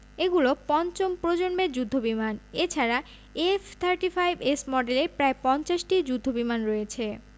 এগুলো পঞ্চম প্রজন্মের যুদ্ধবিমান এ ছাড়া এফ থার্টি ফাইভ এস মডেলের প্রায় ৫০টি যুদ্ধবিমান রয়েছে